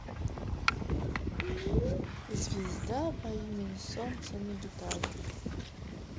звезда по имени солнце на гитаре